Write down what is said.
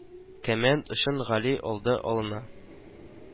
Кәмәнд очын Гали алды алына